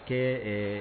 Kɛɛ ɛɛ